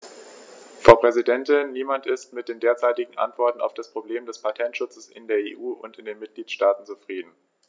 Frau Präsidentin, niemand ist mit den derzeitigen Antworten auf das Problem des Patentschutzes in der EU und in den Mitgliedstaaten zufrieden.